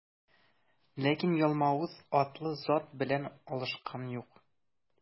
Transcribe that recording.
Ләкин Ялмавыз атлы зат белән алышкан юк.